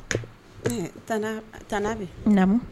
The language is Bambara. Hen, tani Tanti Abi.